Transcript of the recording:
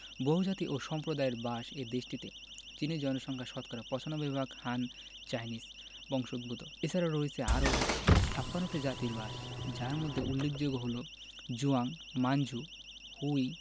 বহুজাতি ও সম্প্রদায়ের বাস এ দেশটিতে চীনের জনসংখ্যা শতকরা ৯৫ ভাগ হান চাইনিজ বংশোদূত এছারাও রয়েছে আরও ৫৬ টি জাতির বাসযার মধ্যে উল্লেখযোগ্য হলো জুয়াং মাঞ্ঝু হুই